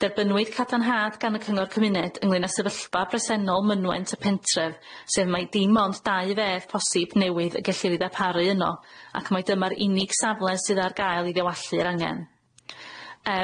Derbynwyd cadarnhad gan y cyngor cymuned ynglŷn â sefyllfa bresennol mynwent y pentref sef mae dim ond dau fedd posib newydd y gellir ei ddarparu yno ac mae dyma'r unig safle sydd ar gael i ddewallu'r angen.